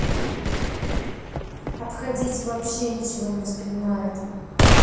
обходите вообще ничего не воспринимает